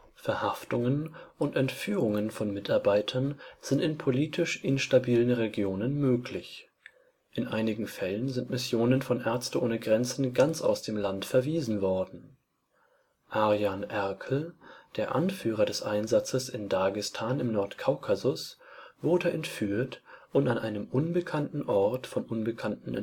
Verhaftungen und Entführungen von Mitarbeitern sind in politisch instabilen Regionen möglich. In einigen Fällen sind Missionen von MSF ganz aus dem Land verwiesen worden. Arjan Erkel, der Anführer des Einsatzes in Dagestan im Nordkaukasus, wurde entführt und an einem unbekannten Ort von unbekannten